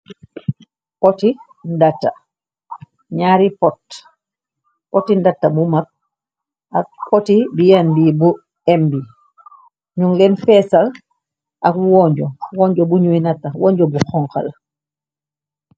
Poti ndata, ñaari pot. Poti ndatta bu mag ak poti bienbi bu embi ñung leen feesal ak wonjo. Wonjo buñuy natta wonjo bu honka la.